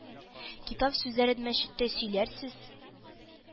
-китап сүзләрен мәчеттә сөйләрсез,